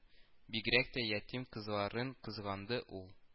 Бигрәк тә ятим кызларын кызганды ул